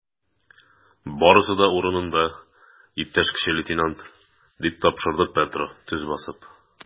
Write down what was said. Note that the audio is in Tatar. Барысы да урынында, иптәш кече лейтенант, - дип тапшырды Петро, төз басып.